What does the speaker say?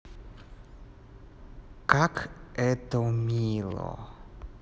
как это мило